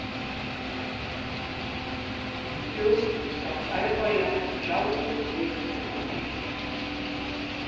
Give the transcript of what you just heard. tú skalt arbeiða kravdu vikutímarnar